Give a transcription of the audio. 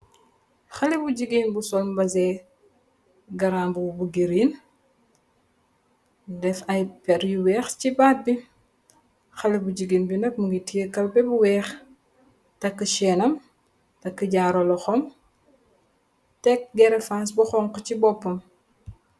Halebu gigen bu sol mbasen gran bubu bu green def ai pir yu weyh si bad bi. Hale bu gigen bu nak mu tai kelpeh bu weex tegi chin nam taka jaru tek gerefas bu honha si bopam.